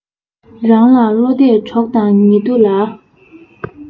རང ལ བློ གཏད གྲོགས དང ཉེ དུ ལ